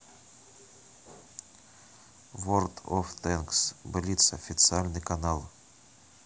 ворлд оф тэнкс блиц официальный канал